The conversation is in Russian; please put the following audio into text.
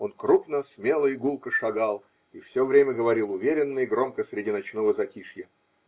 он крупно, смело и гулко шагал и все время говорил уверенно и громко среди ночного затишья.